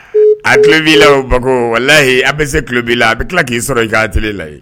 A kulo b'i la o Bako walahi ABC kulo b'i la a bɛ tila k'i sɔrɔ i ka atélier la ye